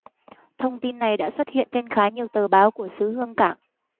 thông tin này đã xuất hiện trên khá nhiều tờ báo của xứ hương cảng